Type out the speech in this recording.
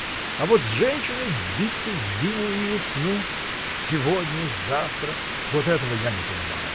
А вот с женщиной биться зиму и весну! Сегодня, завтра. вот этого я не понимаю!